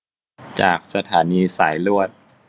จากสถานีสายลวด